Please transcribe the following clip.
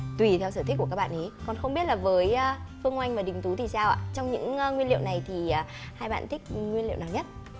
tùy theo sở thích của các bạn ý còn không biết là với a phương oanh và đình tú thì sao ạ trong những nguyên liệu này thì hai bạn thích nguyên liệu nào nhất